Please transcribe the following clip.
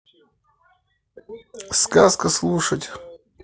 сказка слушать